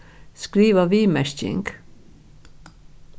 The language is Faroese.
skriva viðmerking